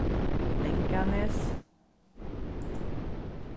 langanes